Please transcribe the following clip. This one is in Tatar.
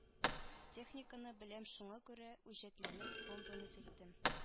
Техниканы беләм шуңа күрә үҗәтләнеп помпаны сүттем